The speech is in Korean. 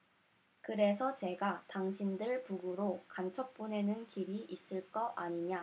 그래서 제가 당신들 북으로 간첩 보내는 길이 있을 거 아니냐